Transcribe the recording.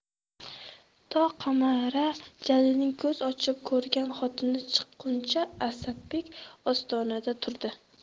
to qamara jalilning ko'z ochib ko'rgan xotini chiqquncha asadbek ostonada turdi